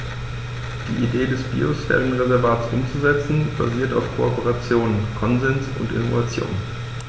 Die Idee des Biosphärenreservates umzusetzen, basiert auf Kooperation, Konsens und Innovation.